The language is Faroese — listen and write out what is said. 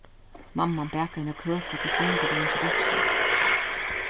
mamman bakaði eina køku til føðingardagin hjá dóttrini